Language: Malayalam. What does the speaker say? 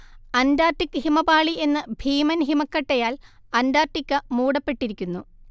അന്റാർട്ടിക് ഹിമപാളി എന്ന ഭീമൻ ഹിമക്കട്ടയാൽ അന്റാർട്ടിക്ക മൂടപ്പെട്ടിരിക്കുന്നു